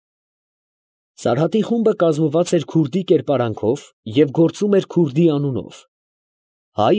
Սարհատի խումբը կազմված էր քուրդի կերպարանքով և գործում էր քուրդի անունով։ «Հայ»